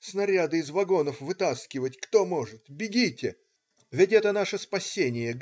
снаряды из вагонов вытаскивать! Кто может! бегите! ведь это наше спасение!